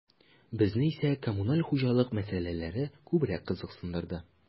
Безне исә коммуналь хуҗалык мәсьәләләре күбрәк кызыксындырды.